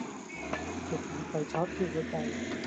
เจ็บเหมือนไฟช็อตที่หัวใจ